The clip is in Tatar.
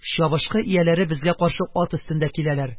Чабышкы ияләре безгә каршы ат өстендә киләләр.